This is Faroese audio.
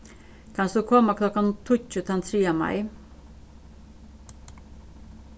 kanst tú koma klokkan tíggju tann triðja mai